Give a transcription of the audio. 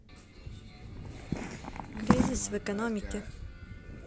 кризис в экономике